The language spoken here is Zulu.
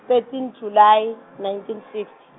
thirteen July nineteen sixty.